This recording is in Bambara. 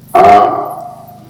A